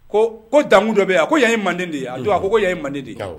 Ko ko dankun dɔ bɛ yan ko ya ye manden de ye a a don a ko ko yan ye manden de ye awɔ